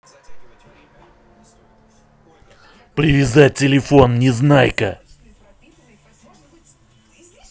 привязать телефон незнайка